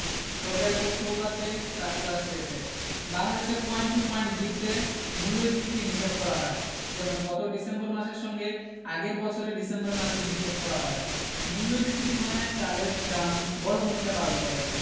সরকারি তথ্য উপাত্তে তা প্রকাশ পেয়েছে বাংলাদেশে পয়েন্ট টু পয়েন্ট ভিউতে মূল্যস্ফীতির হিসাব করা হয় যেমন গত ডিসেম্বর মাসের সঙ্গে আগের বছরের ডিসেম্বর মাসের হিসাব করা হয় মূল্যস্ফীতি গণনায় চালের দাম বড় ভূমিকা পালন করে